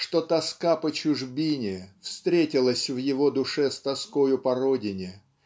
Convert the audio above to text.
что тоска по чужбине встретилась в его душе с тоскою по родине.